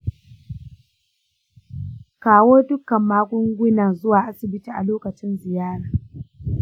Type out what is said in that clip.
kawo dukkan magunguna zuwa asibiti a lokacin ziyara.